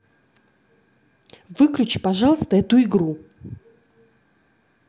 выключи пожалуйста эту игру